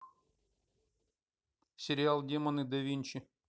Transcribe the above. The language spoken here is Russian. сериал демоны да винчи